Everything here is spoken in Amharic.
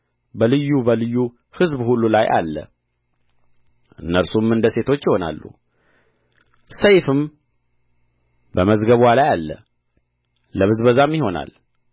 በልዩ በልዩ ሕዝብ ሁሉ ላይ አለ እነርሱም እንደ ሴቶች ይሆናሉ ሰይፍም በመዝገብዋ ላይ አለ ለብዝበዛም ይሆናል